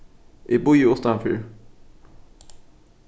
eg bíði uttanfyri